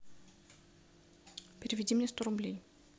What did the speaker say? переведи мне сто рублей